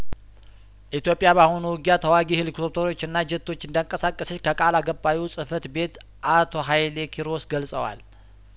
ኢትዮጵያ በአሁኑ ውጊያተዋጊ ሄሊኮፕተሮችና ጀቶች እንዳን ቀሳቀሰች ከቃል አቀባዩ ጽፈት ቤት አቶ ሀይሌ ኪሮስ ገልጸዋል